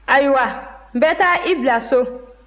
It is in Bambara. ayiwa n bɛ taa i bila so